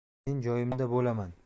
men joyimda bo'laman